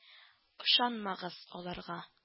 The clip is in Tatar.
Ышанмагыз аларга